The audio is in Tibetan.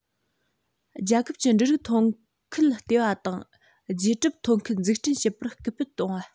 རྒྱལ ཁབ ཀྱི འབྲུ རིགས ཐོན ཁུལ ལྟེ བ དང རྗེས གྲབས ཐོན ཁུལ འཛུགས སྐྲུན བྱེད པར སྐུལ སྤེལ གཏོང བ